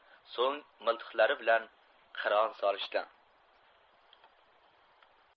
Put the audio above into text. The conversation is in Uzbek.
so'ng miltiqlari bilan qiron solishdi